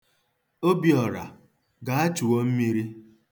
Obiọra, gaa, chuo mmiri.